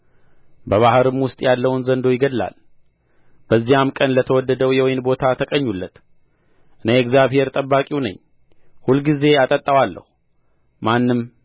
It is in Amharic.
በባሕርም ውስጥ ያለውን ዘንዶ ይገድላል በዚያም ቀን ለተወደደው የወይን ቦታ ተቀኙለት እኔ እግዚአብሔር ጠባቂው ነኝ ሁልጊዜ አጠጣዋለሁ ማንም